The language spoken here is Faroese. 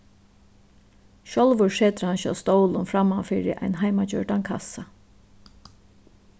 sjálvur setir hann seg á stólin framman fyri ein heimagjørdan kassa